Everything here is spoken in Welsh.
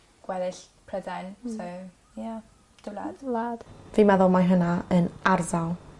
gweddill Prydain. Hmm. So ie dy wlad. Wlad. Fi meddwl mai hwnna yn ardal